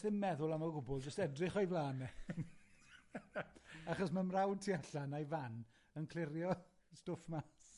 ...ddim meddwl am o gwbl , jyst edrych o'i flan e. Achos ma' 'mrawd tu allan a'i fan yn clirio stwff mas.